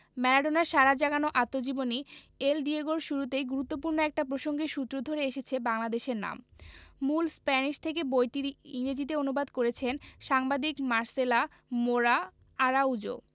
ম্যারাডোনার সাড়া জাগানো আত্মজীবনী এল ডিয়েগো র শুরুতেই গুরুত্বপূর্ণ একটা প্রসঙ্গের সূত্র ধরে এসেছে বাংলাদেশের নাম মূল স্প্যানিশ থেকে বইটি ইংরেজিতে অনু্বাদ করেছেন সাংবাদিক মার্সেলা মোরা আরাউজো